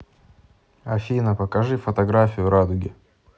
афина покажи фотографию радуги